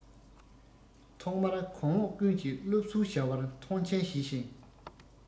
ཐོག མར གོང འོག ཀུན གྱིས སློབ གསོའི བྱ བར མཐོང ཆེན བྱས ཤིང